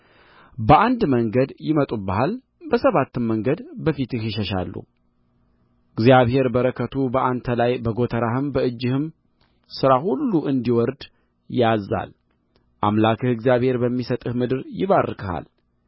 በአንድ መንገድ ይመጡብሃል በሰባትም መንገድ ከፊትህ ይሸሻሉ እግዚአብሔር በረከቱ በአንተ ላይ በጐተራህ በእጅህም ሥራ ሁሉ እንዲወርድ ያዝዛል አምላክህ እግዚአብሔር በሚሰጥህም ምድር ይባርክሃል